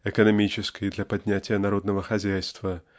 экономической -- для поднятия народного хозяйства